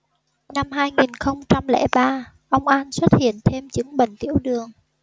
năm hai nghìn không trăm lẻ ba ông an xuất hiện thêm chứng bệnh tiểu đường